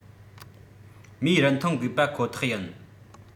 མིའི རིན ཐང དགོས པ ཁོ ཐག ཡིན